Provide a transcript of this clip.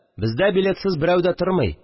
Бездә билетсыз берәү дә тормый